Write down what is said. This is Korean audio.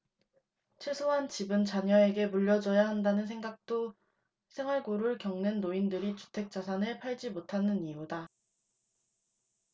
최소한 집은 자녀에게 물려줘야 한다는 생각도 생활고를 겪는 노인들이 주택 자산을 팔지 못하는 이유다